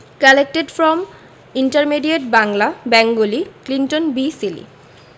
collected from intermediate Bangla Bengali Clinton B Seely